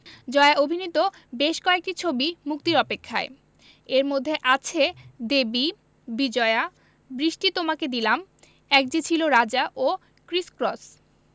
জয়া অভিনীত বেশ কয়েকটি ছবি মুক্তির অপেক্ষায় এর মধ্যে আছে দেবী বিজয়া বৃষ্টি তোমাকে দিলাম এক যে ছিল রাজা ও ক্রিস ক্রস